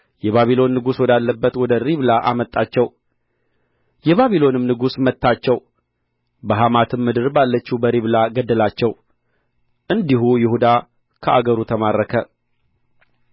የባቢሎን ንጉሥ ወዳለበት ወደ ሪብላ አመጣቸው የባቢሎንም ንጉሥ መታቸው በሐማትም ምድር ባለችው በሪብላ ገደላቸው እንዲሁ ይሁዳ ከአገሩ ተማረከ